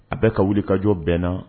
A bɛ ka wuli kajɔ bɛnna